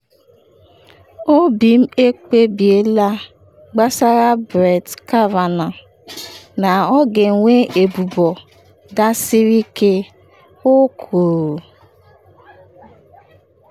“Obi m ekpebiela gbasara Brett Kavanaugh, na ọ ga-ewe ebubo dasiri ike,” o kwuru.